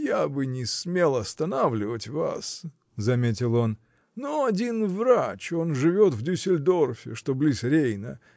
— Я бы не смел останавливать вас, — заметил он, — но один врач — он живет в Дюссельдорфе, что близ Рейна.